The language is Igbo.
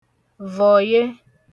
vọ̀ye